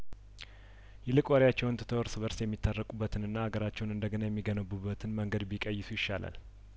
ይልቅ ወሬያቸውን ትተው እርስ በርስ የሚታረቁበትንና አገራቸውን እንደገና የሚገነቡበትን መንገድ ቢቀይሱ ይሻላል